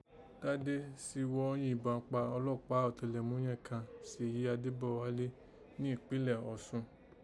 Dádé sìnghọ́ yìnban kpa ọlọ́pàá ọ̀tẹlẹ̀múnyẹ́n kàn Sèyí Adébòwálé nìpínlẹ̀ Ọ̀sun